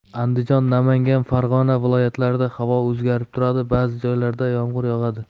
andijon namangan va farg'ona viloyatlarida havo o'zgarib turadi ba'zi joylarda yomg'ir yog'adi